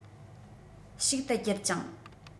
ཞིག ཏུ གྱུར ཅིང